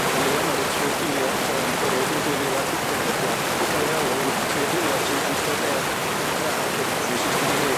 'Dan ni 'wan ar y tŵr gwylio yy agorwyd yn dwy fil a ff- un deg pedwar. Fe gafodd ei elw yn cw- yn tŵr gwylio tri chant chwedeg yy gradd 'lly. Three sixty degree.